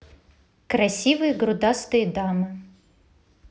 красивые грудастые дамы